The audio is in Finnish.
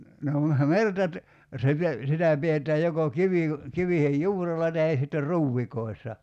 no - merta - se - sitä pidetään joko - kivien juurella tai sitten ruovikoissa